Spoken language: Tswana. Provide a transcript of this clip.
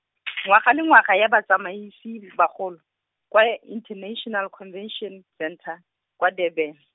ngwaga le ngwaga ya batsamaisi bagolo, kwa International Convention Centre, kwa Durban.